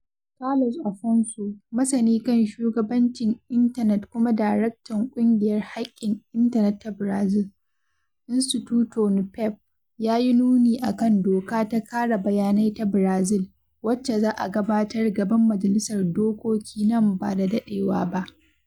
Carlos Afonso, masani kan shugabancin Intanet kuma daraktan ƙungiyar haƙƙin Intanet ta Brazil, Instituto Nupef, yayi nuni akan doka ta kare bayanai ta Brazil, wacce za a gabatar gaban Majalisar Dokoki nan ba da daɗewa ba.